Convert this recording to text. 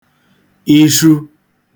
irhu